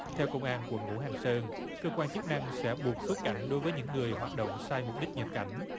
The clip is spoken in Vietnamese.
theo công an quận ngũ hành sơn cơ quan chức năng sẽ buộc xuất cảnh đối với những người hoạt động sai mục đích nhập cảnh